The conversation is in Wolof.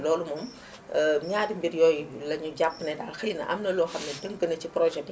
loolu moom ñaari mbir yooyu lañu jàpp ne daal xëy na am na loo xam ne tënku na si projet bi